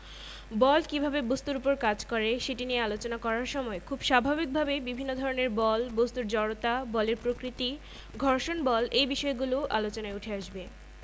বল কীভাবে বস্তুর উপর কাজ করে সেটি নিয়ে আলোচনা করার সময় খুব স্বাভাবিকভাবেই বিভিন্ন ধরনের বল বস্তুর জড়তা বলের প্রকৃতি ঘর্ষণ বল এই বিষয়গুলোও আলোচনায় উঠে আসবে